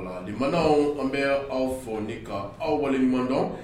Dimana an bɛ aw fɔ nin ka aw waleɲumandɔn